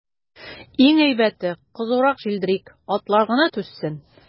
Иң әйбәте, кызурак җилдерик, атлар гына түзсен.